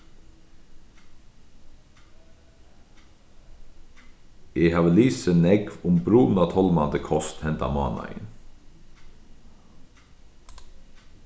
eg havi lisið nógv um brunatálmandi kost hendan mánaðin